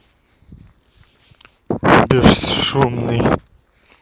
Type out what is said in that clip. безшумный